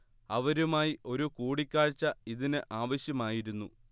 അവരുമായി ഒരു കൂടിക്കാഴ്ച ഇതിന് ആവശ്യമായിരുന്നു